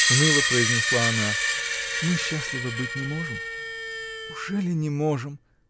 — уныло произнесла она, — мы счастливы быть не можем. Ужели не можем!